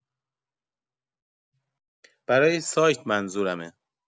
برای سایت منظورمه